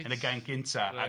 ...yn y gainc gynta... Reit.